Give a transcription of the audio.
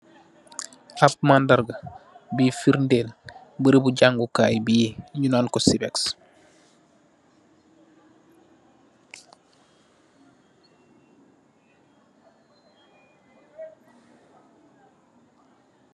Ap mandarga búy fridel barabu jangèè kai bi ñi nako Sibes.